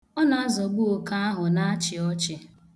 Ọ na-azọgbụ oke ahụ na achị ọchị.